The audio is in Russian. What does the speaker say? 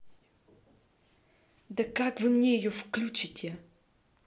да как вы мне ее включите